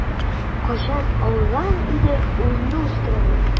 Кайчан алган идек ул люстраны?